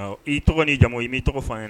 I tɔgɔ ni jamu i m'i tɔgɔ fan ye